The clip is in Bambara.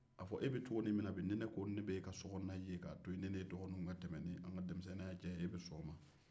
a fɔ e bɛ cogonin min na bi ni ne ko ne bɛ e ka sokɔnɔna ye k'a toyi ne ni e dɔgɔninw ka tɛmɛ ni an ka denmisenninya diya e bɛ sɔn o ma wa